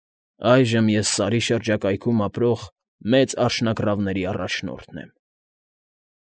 Այժմ ես Սարի շրջակայքում ապրող մեծ արջագռավների առաջնորդն են։